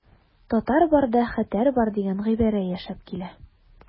Татар барда хәтәр бар дигән гыйбарә яшәп килә.